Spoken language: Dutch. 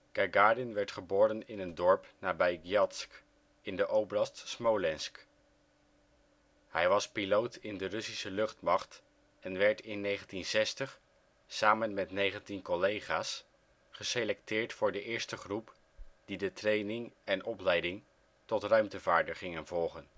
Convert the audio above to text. Gagarin werd geboren in een dorp nabij Gzjatsk in de oblast Smolensk. Hij was piloot in de Russische luchtmacht en werd in 1960 samen met 19 collega 's geselecteerd voor de eerste groep die de training en opleiding tot ruimtevaarder gingen volgen